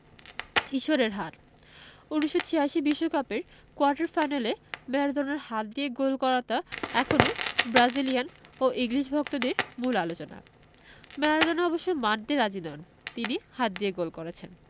ঈশ্বরের হাত ১৯৮৬ বিশ্বকাপের কোয়ার্টার ফাইনালে ম্যারাডোনার হাত দিয়ে গোল করাটা এখনো ব্রাজিলিয়ান ও ইংলিশ ভক্তদের মূল আলোচনা ম্যারাডোনা অবশ্য মানতে রাজি নন তিনি হাত দিয়ে গোল করেছেন